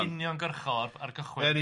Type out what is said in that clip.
Yn union gyrchodd ar gychwyn gerdd.